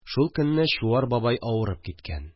Шул көнне Чуар бабай авырып киткән